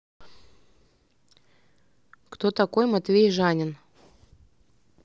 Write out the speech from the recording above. кто такой матвей жанин